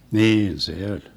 niin se oli